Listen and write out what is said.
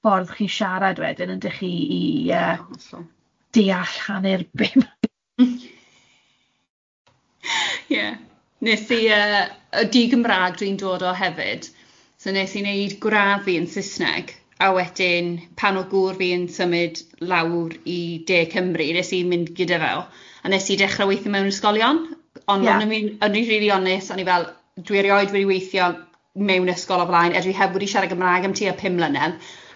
Ffordd chi'n siarad wedyn yn dych chi i yy... Ia, hollol ...deall hanner bump! Ie! 'Nes i, yy y di-Gymraeg dwi'n dod o hefyd, so 'nes i 'neud gradd fi yn Saesneg, a wedyn, pan oedd gŵr fi'n symud lawr i de Cymru, 'nes i mynd gyda fe, a 'nes i dechre weithio mewn ysgolion. Ie. Ond o'n i rili ofnus o'n i fel, dwi 'rioed wedi weithio mewn ysgol o'r blaen. Dwi heb wedi siarad Gymraeg am tua pum mlynedd